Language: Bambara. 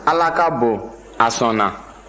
ala ka bon a sɔnna